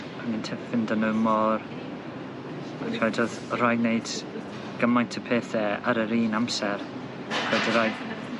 o'n i'n ti- ffindo fe mor... rhaid odd... O' rai' neud gymaint o pethe ar yr un amser. Fedrai